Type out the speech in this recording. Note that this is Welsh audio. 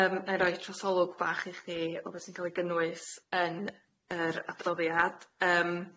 Yym nâi roi trosolwg bach i chdi o beth sy'n ca'l ei gynnwys yn yr adroddiad yym.